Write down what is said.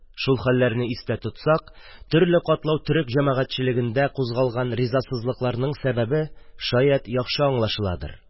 Шул хәлләрне истә тотсак, төрле катлау төрек җәмәгатьчелегендә кузгалган ризасызлыкларның сәбәбе, шәят, яхшы аңлашыладыр